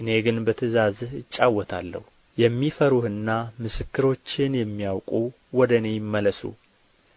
እኔ ግን በትእዛዝህ እጫወታለሁ የሚፈሩህና ምስክሮችህን የሚያውቁ ወደ እኔ ይመለሱ